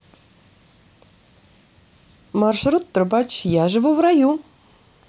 маршрут трубач я живу в раю